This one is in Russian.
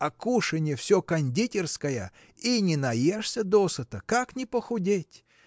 а кушанье все кондитерское – и не наешься досыта. Как не похудеть!